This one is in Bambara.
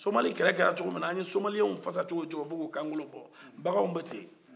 solikɛlɛ kɛra cogo mina an ye somaliyɛn fasa cogo ye cogo min fo k'o kankolo bɔ baganw bɛ ten